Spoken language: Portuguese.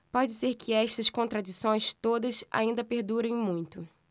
pode ser que estas contradições todas ainda perdurem muito